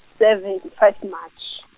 seven, five March .